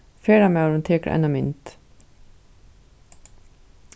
ferðamaðurin tekur eina mynd